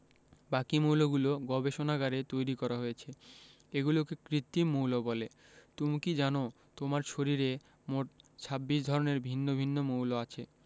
বাকি মৌলগুলো গবেষণাগারে তৈরি করা হয়েছে এগুলোকে কৃত্রিম মৌল বলে তুমি কি জানো তোমার শরীরে মোট ২৬ ধরনের ভিন্ন ভিন্ন মৌল আছে